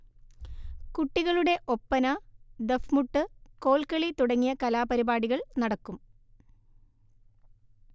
കുട്ടികളുടെ ഒപ്പന, ദഫ്മുട്ട്, കോൽകളി തുടങ്ങിയ കലാപരിപാടികൾ നടക്കും